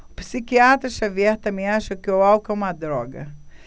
o psiquiatra dartiu xavier também acha que o álcool é uma droga